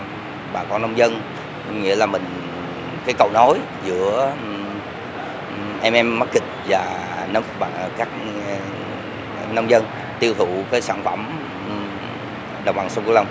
bà con nông dân nghĩa là mình cây cầu nối giữa em em mắc kịch và nông bà các nông dân tiêu thụ sản phẩm đồng bằng sông cửu long